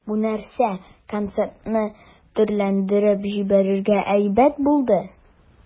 Бу нәрсә концертны төрләндереп җибәрергә әйбәт булды.